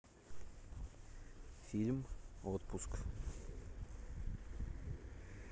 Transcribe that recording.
фильм отпуск